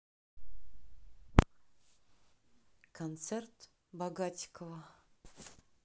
концерт богатикова